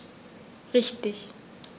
Richtig